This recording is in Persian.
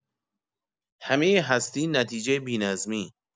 همه هستی نتیجه بی‌نظمی